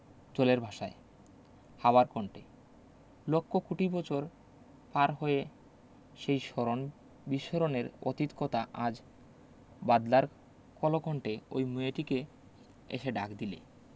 জলের ভাষায় হাওয়ার কণ্টে লক্ষ কুটি বছর পার হয়ে সেই স্মরণ বিস্মরণের অতীত কতা আজ বাদলার কলকণ্টে ঐ মেয়েটিকে এসে ডাক দিলে